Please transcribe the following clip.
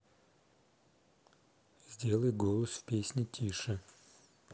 сделай голос в песне тише